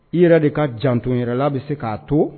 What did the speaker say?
I yɛrɛ de ka jantonyɛrɛla be se k'a too